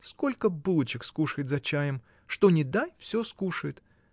Сколько булочек скушает за чаем! Что ни дай, всё скушает.